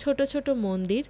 ছোট ছোট মন্দির